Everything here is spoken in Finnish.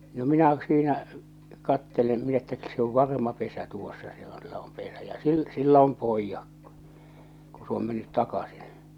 no minä siinä katselen minä että se on varma pesä tuossa se on se on pesä ja - sillä on pojat kun kun se on mennyt takaisin